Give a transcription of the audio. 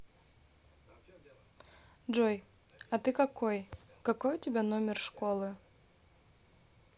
джой а ты какой какой у тебя номер школы